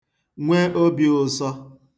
nwe obīụ̄sọ̄